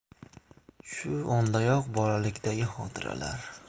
shu ondayoq bolalikdagi xotiralar